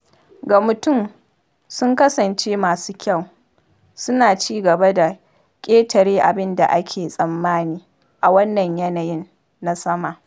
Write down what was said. Ga mutum, sun kasance masu kyau, suna ci gaba da ƙetare abin da ake tsammani a wannan yanayin na sama.